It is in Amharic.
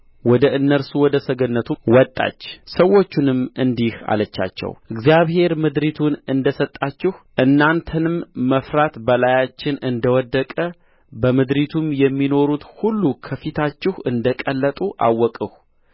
ወደ እነርሱ ወደ ሰገነቱ ወጣች ሰዎቹንም እንዲህ አለቻቸው እግዚአብሔር ምድሪቱን እንደ ሰጣችሁ እናንተንም መፍራት በላያችን እንደ ወደቀ በምድሪቱም የሚኖሩት ሁሉ ከፊታችሁ እንደ ቀለጡ አወቅሁ